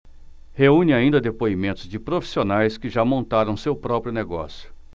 reúne ainda depoimentos de profissionais que já montaram seu próprio negócio